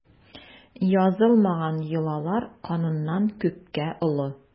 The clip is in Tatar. Язылмаган йолалар кануннан күпкә олы.